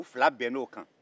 u fila bɛnna o kan